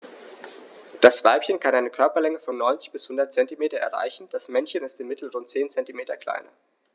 Das Weibchen kann eine Körperlänge von 90-100 cm erreichen; das Männchen ist im Mittel rund 10 cm kleiner.